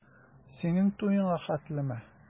Синең туеңа хәтлеме?